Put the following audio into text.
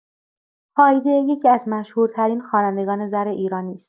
هایده یکی‌از مشهورترین خوانندگان زن ایرانی است.